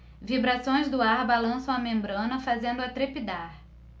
vibrações do ar balançam a membrana fazendo-a trepidar